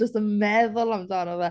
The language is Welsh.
Jyst yn meddwl amdano fe.